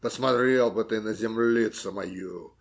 Посмотрел бы ты на землицу мою.